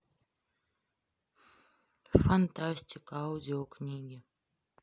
фантастика аудиокниги